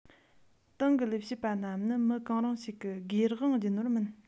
ཏང གི ལས བྱེད པ རྣམས ནི མི གང རུང ཞིག གི སྒེར དབང རྒྱུ ནོར མིན